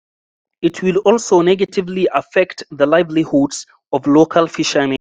It will also negatively affect the livelihoods of local fishermen.